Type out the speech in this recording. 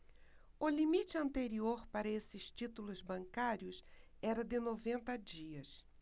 o limite anterior para estes títulos bancários era de noventa dias